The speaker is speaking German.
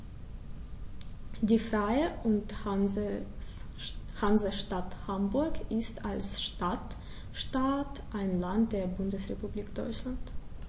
Die Freie und Hansestadt Hamburg ist als Stadtstaat ein Land der Bundesrepublik Deutschland.